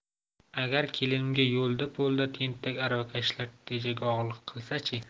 agar kelinimga yo'lda po'lda tentak aravakashlar tegajog'lik qilsachi